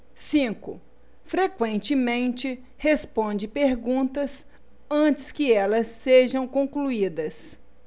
cinco frequentemente responde perguntas antes que elas sejam concluídas